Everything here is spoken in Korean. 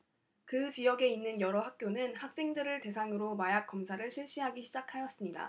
그 지역에 있는 여러 학교는 학생들을 대상으로 마약 검사를 실시하기 시작하였습니다